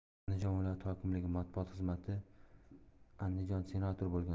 andijon viloyati hokimligi matbuot xizmatiandijondan senator bo'lganlar